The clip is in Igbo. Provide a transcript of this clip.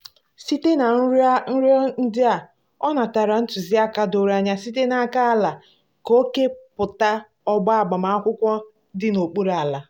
Site na nrọ ndị ahụ, ọ natara ntụziaka doro anya site n'aka Allah ka o kepụta ọgba agbamakwụkwọ dị n'okpuru ala.